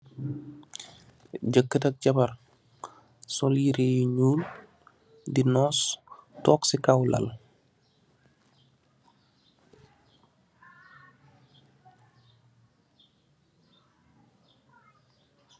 Jër ak jambarr sol yirèh yu ñuul di noss togg ci kaw lal.